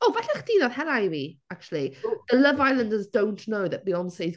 O falle chdi wnaeth hela i fi acshyli ... o ..."The Love Islanders don't know that Beyoncé's..."